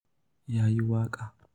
Ya yi waƙa: